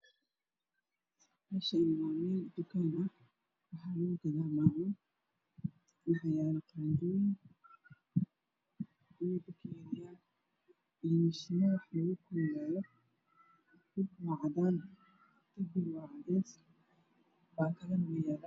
Meshaani waa meel dukaan ah waxaa lagu gadaa macuun waxaa yaalo qandoyin iyo bakeriyaal iyo biyo shaaq lagu kululeeyo dhul kune waa cadaan darbigu waa cadees baa kado wey yalaan